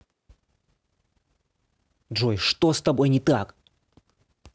джой что с тобой не так